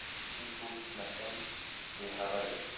asadbek bu hikmatdan bexabar edi